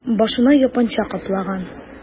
Башына япанча каплаган...